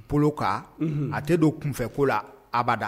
Bolokan a tɛ don kunfɛ ko la abada